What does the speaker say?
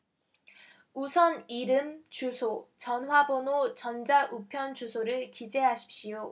우선 이름 주소 전화번호 전자 우편 주소를 기재하십시오